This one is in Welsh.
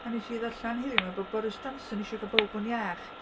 A wnes i ddarllen heddiw 'ma bod Boris Johnson isio gael pawb yn iach...